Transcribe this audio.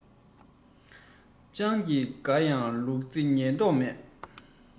སྤྱང ཀི དགའ ཡང ལུག རྫི ཉན མདོག མེད